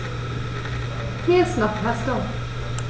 Mir ist nach Pasta.